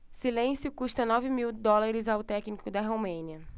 silêncio custa nove mil dólares ao técnico da romênia